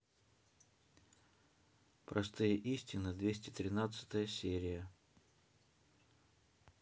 простые истины двести тринадцатая серия